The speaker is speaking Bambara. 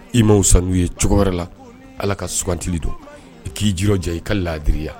I m ma sanu uu ye cogo wɛrɛ la ala ka sugantili don i k'i ji diya i ka laadiriyaya